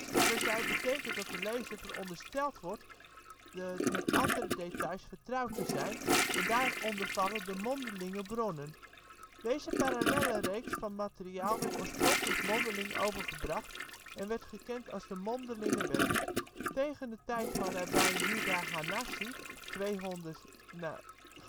stellen zij, betekent dat de lezer verondersteld wordt met andere details vertrouwd te zijn, en daaronder vallen de mondelinge bronnen. Deze parallelle reeks van materiaal werd oorspronkelijk mondeling overgebracht, en werd gekend als de mondelinge wet. Tegen de tijd van rabbijn Juda Hanasi (200 na de gangbare